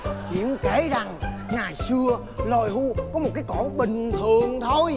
chuyện kể rằng ngày xưa loài hươu có một cái cổ bình thường thôi